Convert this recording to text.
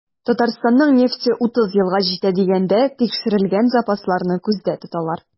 Татарстанның нефте 30 елга җитә дигәндә, тикшерелгән запасларны күздә тоталар.